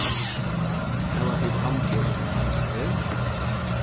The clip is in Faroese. hava tit tannbust og tannkrem